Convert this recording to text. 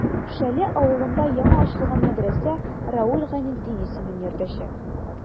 Шәле авылында яңа ачылган мәдрәсә Равил Гайнетдин исемен йөртәчәк.